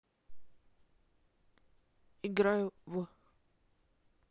играю в